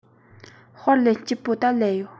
དཔར ལེན སྤྱད པོ ད ལོས ཡོད